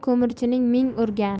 ko'mirchining ming urgani